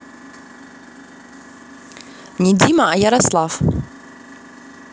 не дима а ярослав